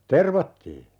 tervattiin